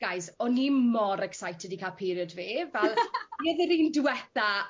guys o'n i mor excited i ca'l period fi fel fi o'dd yr un dwetha